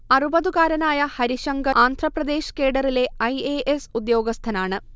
അറുപതുകാരനായ ഹരിശങ്കർ ആന്ധ്രപ്രദേശ് കേഡറിലെ I. A. S ഉദ്യോഗസ്ഥനാണ്